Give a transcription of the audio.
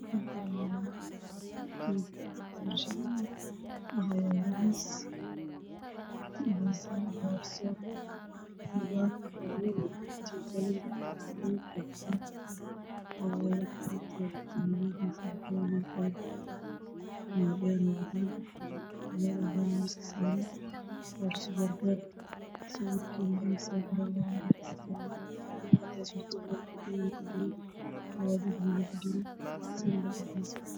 Waa sawir farshaxan waxaa ii muuqda nin oo Ciidan ah oo koofi wato iyo qalabka